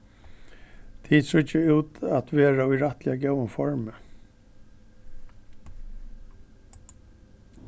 tit síggja út at vera í rættiliga góðum formi